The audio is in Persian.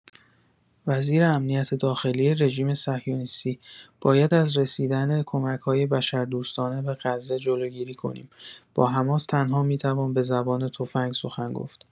وزیر امنیت داخلی رژیم صهیونیستی: باید از رسیدن کمک‌‌های بشردوستانه به غزه جلوگیری کنیم با حماس تنها می‌توان به زبان تفنگ سخن گفت.